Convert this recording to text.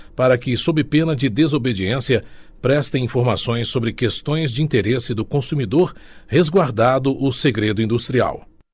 para que sob pena de desobediência prestem informações sobre questões de interesse do consumidor resguardado o segredo industrial